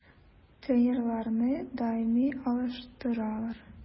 Тренерларны даими алыштыралар.